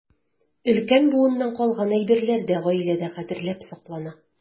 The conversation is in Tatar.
Өлкән буыннан калган әйберләр дә гаиләдә кадерләп саклана.